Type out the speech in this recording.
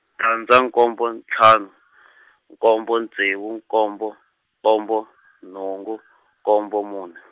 tandza nkombo ntlhanu, nkombo ntsevu nkombo, nkombo nhungu, nkombo mune.